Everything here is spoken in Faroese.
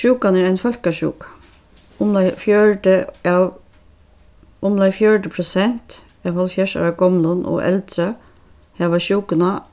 sjúkan er ein fólkasjúka umleið fjøruti av umleið fjøruti prosent av hálvfjerðs ára gomlum og eldri hava sjúkuna